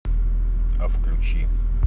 а включи